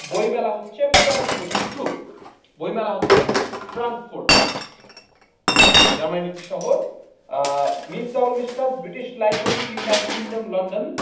বই মেলা হচ্ছে ফ্রাঙ্কফুটে ট্রু বই মেলা হচ্ছে ফ্রাংকফুট জার্মানের একটি শহর Miftahul Mishkat British library United Kingdom London